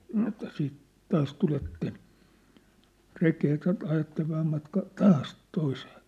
sanoi että sitten taas tulette rekeen ja - ajatte vähän matkaa taas toiseen